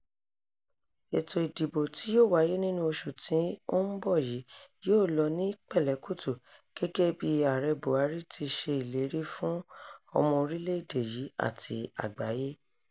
Ètò ìdìbò tí yóò wáyé nínú osù tí ó ń bọ̀ yìí yóò lọ ní pẹ̀lẹ́-kùtù, gẹ́gẹ́ bí Ààrẹ Buhari ti ṣe ìlérí fún ọmọ orílẹ̀-èdè yìí àti àgbáyé.